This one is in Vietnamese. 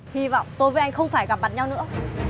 hy vọng tôi và anh không phải gặp mặt nhau nữa